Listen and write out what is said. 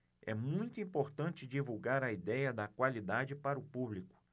é muito importante divulgar a idéia da qualidade para o público